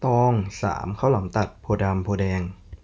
ตองสามข้าวหลามตัดโพธิ์ดำโพธิ์แดง